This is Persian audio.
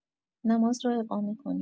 نماز را اقامه کنید